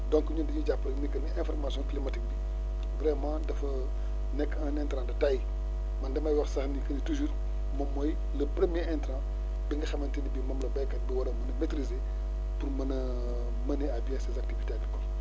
donc ñun dañu jàpp rek ni que ni information climatique bi vraiment dafa nekk un intrant de taille man damay wax sax ni que ni toujours moom mooy le premier intrant bi nga xamante ni bii moom la béykat bi war a mun a maitriser pour mën a mener à bien ses activités agricoles